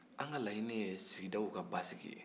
an ka laɲini ye sigidaw ka basigi ye